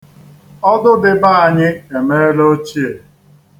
Ọdụ dị be anyị emeela ochie.